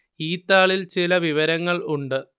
ഈ താളില് ചില വിവരങ്ങള് ഉണ്ട്